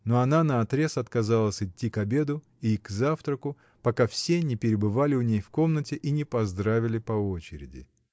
Но она наотрез отказалась идти к обеду и к завтраку, пока все не перебывали у ней в комнате и не поздравили по очереди.